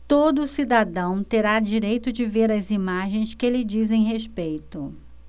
todo cidadão terá direito de ver as imagens que lhe dizem respeito